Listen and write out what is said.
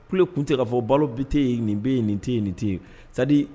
Kule tun tɛ k'a fɔ balo bite nin bɛ nin tɛ nin tɛ